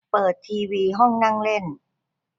เปิดทีวีห้องนั่งเล่น